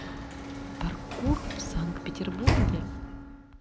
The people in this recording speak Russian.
паркур в санкт петербурге